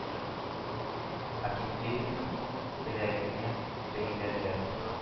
Акинфееевның беләгенә бәйләделәр.